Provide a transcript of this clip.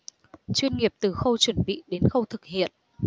chuyên nghiệp từ khâu chuẩn bị đến khâu thực hiện